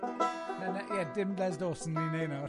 Na, na, ie, dim Les Dawson ni'n neu' nawr.